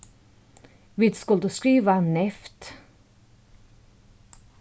vit skuldu skriva neyvt